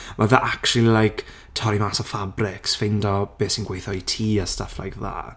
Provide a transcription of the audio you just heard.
Ma' fe actually like, torri mas y fabrics, ffeindo, be' sy'n gweithio i ti, a stuff like that.